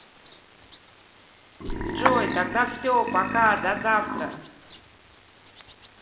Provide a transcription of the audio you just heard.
джой тогда все пока до завтра